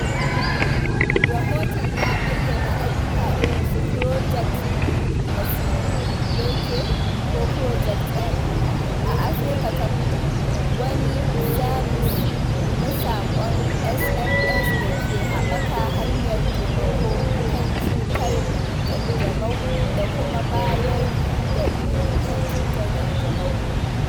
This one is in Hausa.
Rahoton ya bayyana ayyuka irin su Project Masiluleke (ko Project M) a Afirka ta Kudu, wani sabis na saƙon SMS da ke haɓaka hanyar taimako kan cutar ƙanjamau da kuma bayar da ilimi kan cutar ƙanjamau.